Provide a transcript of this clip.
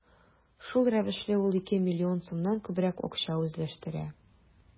Шул рәвешле ул ике миллион сумнан күбрәк акча үзләштерә.